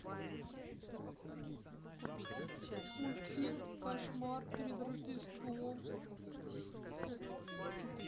мультфильм кошмар перед рождеством